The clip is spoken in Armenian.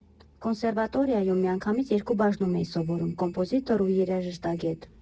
Կոնսերվատորիայում միանգամից երկու բաժնում էի սովորում՝ կոմպոզիտոր ու երաժշտագետ։